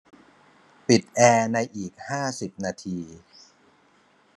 ปิดแอร์ในอีกห้าสิบนาที